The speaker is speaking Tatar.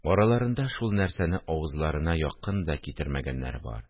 – араларында шул нәрсәне авызларына якын да китермәгәннәре бар